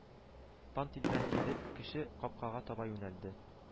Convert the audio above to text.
Пан-тилпән килеп, кече капкага таба юнәлде